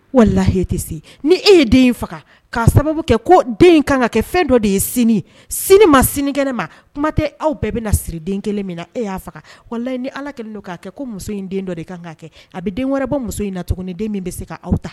Wala se ni e ye den in faga k'a sababu kɛ ko den kan ka kɛ fɛn dɔ de ye sini sini ma sinikɛnɛ ma kuma tɛ aw bɛɛ bɛ na siri den kelen min na e y'a faga wala ni ala kɛlen don k'a kɛ ko muso in den dɔ de kan ka kɛ a bɛ den wɛrɛ bɔ muso in na tuguni ni den min bɛ se k' awaw ta